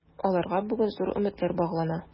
Аларга бүген зур өметләр баглана.